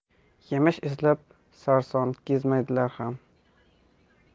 yemish izlab sarson kezmaydilar ham